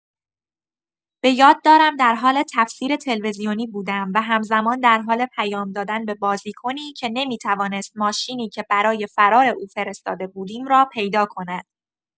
بۀاد دارم در حال تفسیر تلویزیونی بودم و همزمان در حال پیام دادن به بازیکنی که نمی‌توانست ماشینی که برای فرار او فرستاده بودیم را پیدا کند.